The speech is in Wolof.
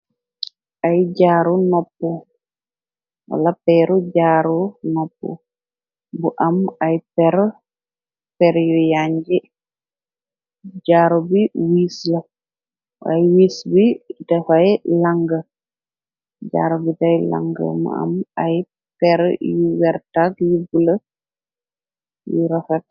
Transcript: Ay jaaru nopp wla peeru jaaru nopp bu am ay per per yu yàñ j jaaru bi wiis la waay wiis bi texay làng jaaru bitay lang ma am ay per yu wertag li bula yu rofat.